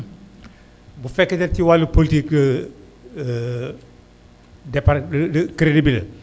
bu fekkee ne ci wàllu politique d' épargne de crédit bi la